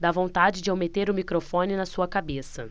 dá vontade de eu meter o microfone na sua cabeça